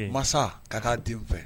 Masa ka k'a den fɛ